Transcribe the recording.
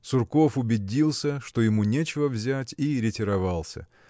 – Сурков убедился, что ему нечего взять, и ретировался